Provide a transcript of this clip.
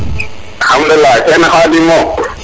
alkhadoulila kene khadim mo